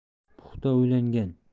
puxta o'ylangan